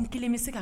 N kelen bɛ se ka